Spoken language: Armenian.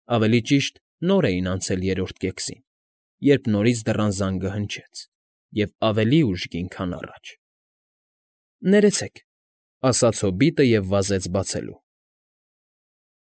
Ավելի ճիշտ, նոր էին անցել երրորդ կեքսին, երբ նորից դռան զանգը հնչեց, էլ ավելի ուժգին, քան առաջ։ ֊ Ներեցեք, ֊ ասաց հոբիտը և վազեց բացելու։ ֊